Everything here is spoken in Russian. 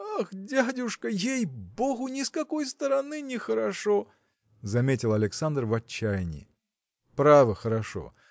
– Ах, дядюшка, ей-богу, ни с какой стороны не хорошо. – заметил Александр в отчаянии. – Право, хорошо